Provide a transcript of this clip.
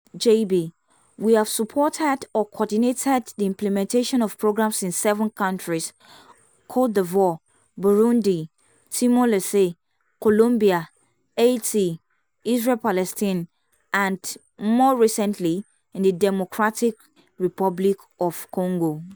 JB: We have supported or coordinated the implementation of programs in seven countries: Côte d'Ivoire, Burundi, Timor Leste, Colombia, Haïti, Israël-Palestine and, more recently, in the Democratic Republic of Congo.